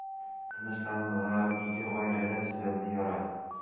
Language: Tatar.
Тынычландылар, ике гаиләдә төзәлде яра.